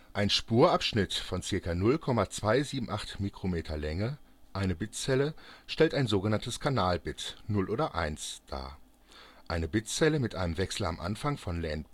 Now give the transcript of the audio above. Ein Spurabschnitt von ca. 0,278 Mikrometer Länge (eine Bitzelle) stellt ein sogenanntes Kanalbit (Null oder Eins) dar. Eine Bitzelle mit einem Wechsel am Anfang von Land/Pit